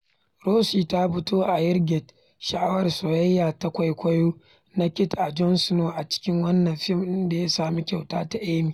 Rose ta fito a Ygritte, sha'awar soyayya ta kwaikwayo na Kit a Jon Snow, a cikin wannan fim da ya sami kyauta ta Emmy.